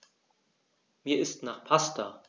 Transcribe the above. Mir ist nach Pasta.